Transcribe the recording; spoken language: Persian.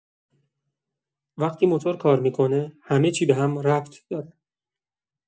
وقتی موتور کار می‌کنه، همه‌چی به هم ربط داره.